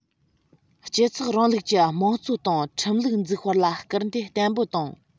སྤྱི ཚོགས རིང ལུགས ཀྱི དམངས གཙོ དང ཁྲིམས ལུགས འཛུགས སྤེལ ལ སྐུལ འདེད བརྟན པོ བཏང